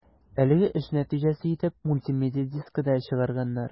Әлеге эш нәтиҗәсе итеп мультимедия дискы да чыгарганнар.